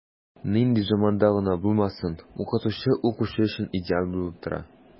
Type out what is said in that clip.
Нинди заманда гына булмасын, укытучы укучы өчен идеал булып тора.